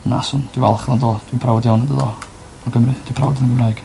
Na swn dwi'n falch yn dod o dwi' prowd iawn yn dod o o Gymru. Dwi'n prowd o'n Gymraeg.